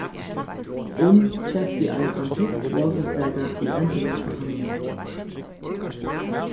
unn keypti ein antikk ljósastaka í endurnýtsluhandlinum